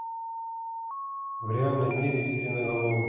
в реальном мире сиреноголовый